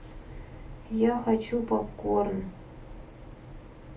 я хочу попкорн